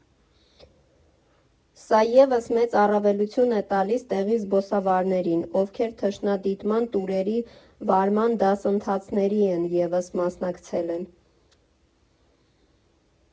Սա ևս մեծ առավելություն է տալիս տեղի զբոսավարներին, ովքեր թռչնադիտման տուրերի վարման դասընթացների ևս մասնակցել են։